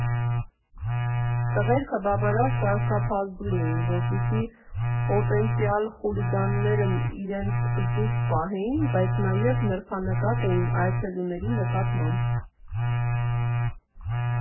Տղերքը բավարար սարսափազդու էին, որպեսզի պոտենցիալ խուլիգաններն իրենց զուսպ պահեին, բայց նաև նրբանկատ էին այցելուների նկատմամբ։